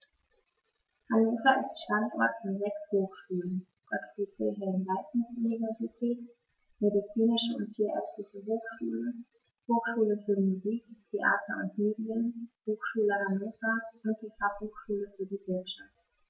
Hannover ist Standort von sechs Hochschulen: Gottfried Wilhelm Leibniz Universität, Medizinische und Tierärztliche Hochschule, Hochschule für Musik, Theater und Medien, Hochschule Hannover und die Fachhochschule für die Wirtschaft.